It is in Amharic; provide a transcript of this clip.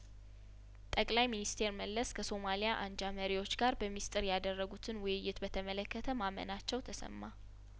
ጠቅለይ ሚንስቴር መለስ ከሶማሊያአንጃ መሪዎች ጋር በሚስጢር ያደረጉትን ውይይት በተመለከተ ማመናቸው ተሰማ